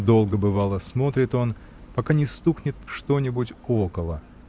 Долго, бывало, смотрит он, пока не стукнет что-нибудь около